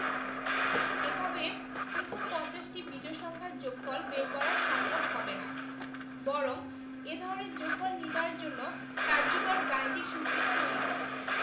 এভাবে প্রথম পঞ্চাশটি বিজোড় সংখ্যার যোগফল বের করা সম্ভব হবে না বরং এ ধরনের যোগফল নির্ণয়ের জন্য কার্যকর গাণিতিক সূত্র তৈরি করি